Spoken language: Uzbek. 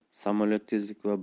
samolyot tezlik va